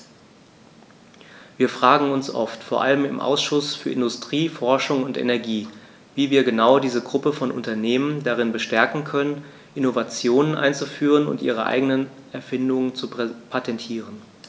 Wir fragen uns oft, vor allem im Ausschuss für Industrie, Forschung und Energie, wie wir genau diese Gruppe von Unternehmen darin bestärken können, Innovationen einzuführen und ihre eigenen Erfindungen zu patentieren.